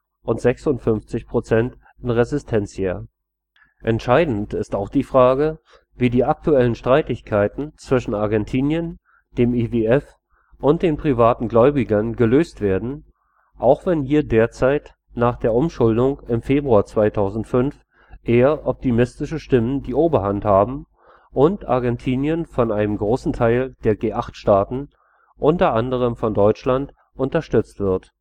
und 56 % in Resistencia. Entscheidend ist auch die Frage, wie die aktuellen Streitigkeiten zwischen Argentinien, dem IWF und den privaten Gläubigern gelöst werden, auch wenn hier derzeit nach der Umschuldung im Februar 2005 eher optimistische Stimmen die Oberhand haben und Argentinien von einem großen Teil der G8-Staaten, unter anderem von Deutschland unterstützt wird